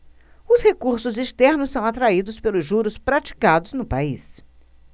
os recursos externos são atraídos pelos juros praticados no país